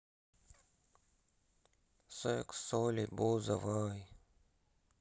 секс с олей бузовой